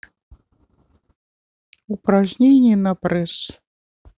упражнения на пресс